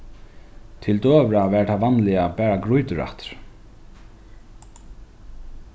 til døgurða var tað vanliga bara grýturættur